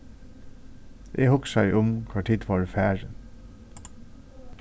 eg hugsaði um hvar tit vóru farin